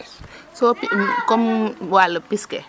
so pi comme walum pis ke